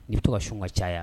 N bɛ to ka sun ka caya